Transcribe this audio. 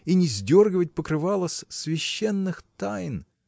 и не сдергивать покрывала с священных тайн.